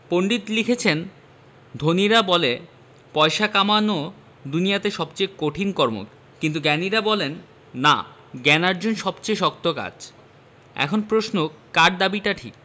পণ্ডিত লিখেছেন ধনীরা বলে পয়সা কামানো দুনিয়াতে সবচেয়ে কঠিন কর্ম কিন্তু জ্ঞানীরা বলেন না জ্ঞানার্জন সবচেয়ে শক্ত কাজ এখন প্রশ্ন কার দাবিটা ঠিক